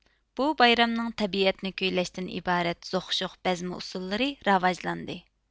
بۇ بايرامنىڭ تەبىئەتنى كۈيلەشتىن ئىبارەت زوخ شوخ بەزمە ئۇسسۇللىرى راۋاجلاندى